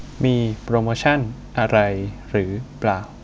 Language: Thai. มีโปรโมชั่นอะไรหรือเปล่า